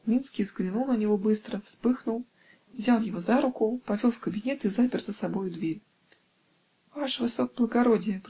" Минский взглянул на него быстро, вспыхнул, взял его за руку, повел в кабинет и запер за собою дверь. "Ваше высокоблагородие!